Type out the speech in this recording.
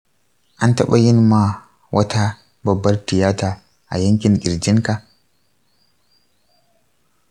an taɓa yin ma wata babbar tiyata a yankin ƙirjin ka?